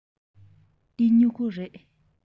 འདི སྨྱུ གུ རེད